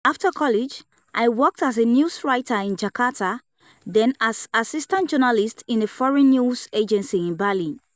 After college, I worked as a news writer in Jakarta, then as assistant journalist in a foreign news agency in Bali.